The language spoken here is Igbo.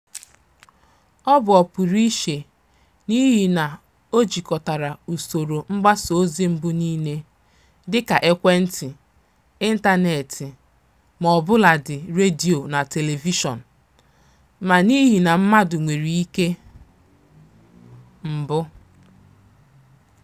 Ọ bụ ọpụrụiche n'ihi na ọ jịkọtara usoro mgbasaozi mbụ niile, dịka ekwentị, ịntaneetị, ma ọbụladị redio na televishọn, ma n'ihi na mmadụ nwere ike: 1.